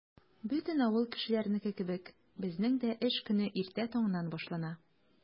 Бөтен авыл кешеләренеке кебек, безнең дә эш көне иртә таңнан башлана.